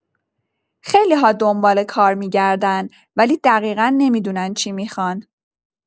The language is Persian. خیلی‌ها دنبال کار می‌گردن، ولی دقیقا نمی‌دونن چی می‌خوان.